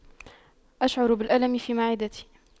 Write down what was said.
أشعر بالألم في معدتي